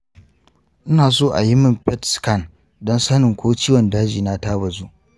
ina son a yi min pet scan don sanin ko ciwon dajina ta bazu.